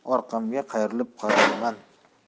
deb orqamga qayrilib qarayman